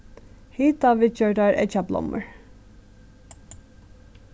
hitaviðgjørdar eggjablommur